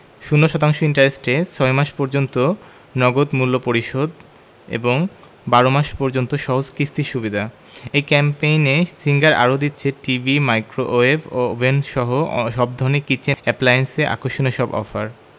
০% ইন্টারেস্টে ৬ মাস পর্যন্ত নগদ মূল্য পরিশোধ এবং ১২ মাস পর্যন্ত সহজ কিস্তি সুবিধা এই ক্যাম্পেইনে সিঙ্গার আরো দিচ্ছে টিভি মাইক্রোওয়েভ ওভেনসহ সব ধরনের কিচেন অ্যাপ্লায়েন্সে আকর্ষণীয় সব অফার